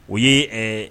O ye ɛɛ